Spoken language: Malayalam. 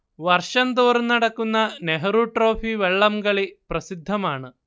വർഷം തോറും നടക്കുന്ന നെഹ്രു ട്രോഫി വള്ളംകളി പ്രസിദ്ധമാണ്